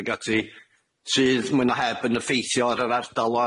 ag ati sydd mwy na heb yn effeithio ar yr ardal